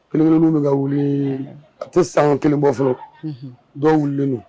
Kelenkelenninw bɛ ka wuli a tɛ san kelen bɔ fɔlɔ, unhun, dɔw wililen don